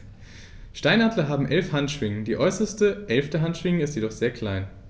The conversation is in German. Steinadler haben 11 Handschwingen, die äußerste (11.) Handschwinge ist jedoch sehr klein.